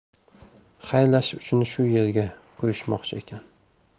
xayrlashish uchun shu yerga qo'yishmoqchi ekan